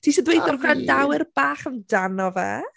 Ti isio dweud wrth y... a fi! ...gwrandawyr bach amdano fe?